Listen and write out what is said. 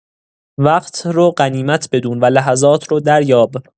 وقت رو غنیمت بدون و لحظات رو دریاب.